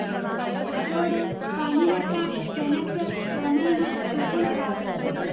അതോടെ പനിവിട്ട സെനറ്റർ ക്രമേണ സുഖം പ്രാപിച്ചു